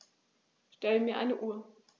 Stell mir eine Uhr.